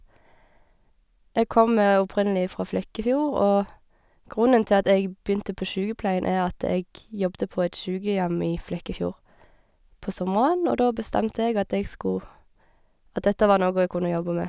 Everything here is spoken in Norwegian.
Jeg kommer opprinnelig fra Flekkefjord, og grunnen til at jeg begynte på sjukepleien, er at jeg jobbet på et sjukehjem i Flekkefjord på sommeren, og da bestemte jeg at jeg skulle at dette var noe jeg kunne jobbe med.